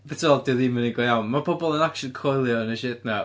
Be ti'n feddwl dydi o ddim yn un go iawn. Ma' pobl yn acshyli coelio yn y shit 'na.